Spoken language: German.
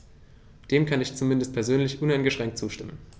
Dem kann ich zumindest persönlich uneingeschränkt zustimmen.